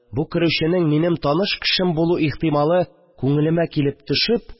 Бу керүченең минем таныш кешем булу ихтималы күңелемә килеп төшеп